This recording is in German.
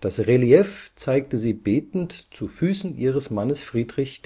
das Relief zeigte sie betend zu Füßen ihres Mannes Friedrich